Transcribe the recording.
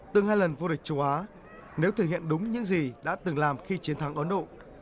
từng hai lần vô địch châu á nếu thực hiện đúng những gì đã từng làm khi chiến thắng ấn độ